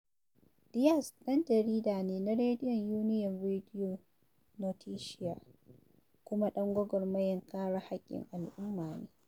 [Diaz] ɗan jarida ne na Rediyon Union Radio Noticias kuma ɗan gwagwarmayar kare haƙƙin al'umma ne.